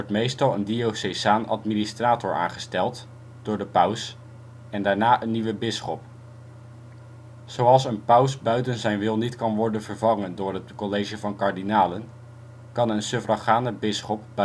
meestal een diocesaan administrator aangesteld (door de paus) en daarna een nieuwe bisschop. Zoals een paus buiten zijn wil niet kan worden vervangen door het College van Kardinalen, kan een suffragane bisschop